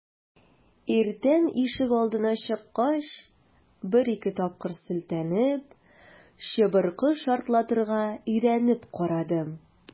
Иртән ишегалдына чыккач, бер-ике тапкыр селтәнеп, чыбыркы шартлатырга өйрәнеп карадым.